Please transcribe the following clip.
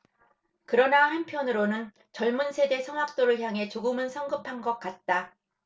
그러나 한편으로는 젊은 세대 성악도들을 향해 조금은 성급한 것 같다